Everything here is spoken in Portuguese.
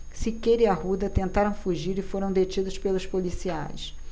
siqueira e arruda tentaram fugir e foram detidos pelos policiais